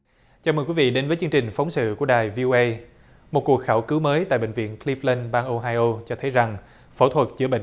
chào mừng quý vị đến với chương trình phóng sự của đài vov một cuộc khảo cứu mới tại bệnh viện clin tơn bang ô hai ô cho thấy rằng phẫu thuật chữa bệnh